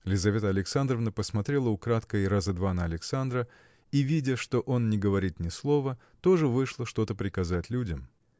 Лизавета Александровна посмотрела украдкой раза два на Александра и видя что он не говорит ни слова тоже вышла что-то приказать людям.